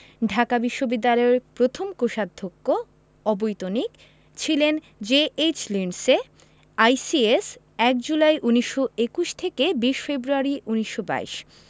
ঢাকা বিশ্ববিদ্যালয়ের প্রথম কোষাধ্যক্ষ অবৈতনিক ছিলেন জে.এইচ লিন্ডসে আইসিএস ১ জুলাই ১৯২১ থেকে ২০ ফেব্রুয়ারি ১৯২২